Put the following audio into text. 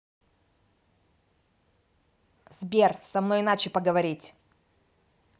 сбер со мной иначе поговорить